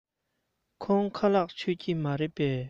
ཁོང ཁ ལག མཆོད ཀྱི མ རེད པས